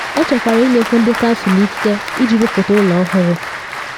Ọ chọkwara ịnyekwu ndị kansụl ikike iji rụpụta ụlọ ọhụrụ.